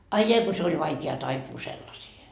ai ai kun se oli vaikea taipua sellaisiin